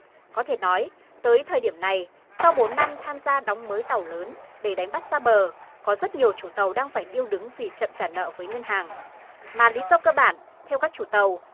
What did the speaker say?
có thể nói tới thời điểm này sau bốn năm tham gia đóng mới tàu lớn để đánh bắt xa bờ có rất nhiều chủ tàu đang phải điêu đứng vì chậm trả nợ với ngân hàng mà lý do cơ bản theo các chủ tàu